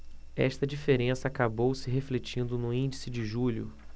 esta diferença acabou se refletindo no índice de julho